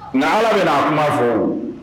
Nka ala bɛna kuma fɔ